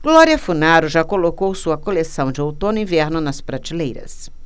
glória funaro já colocou sua coleção de outono-inverno nas prateleiras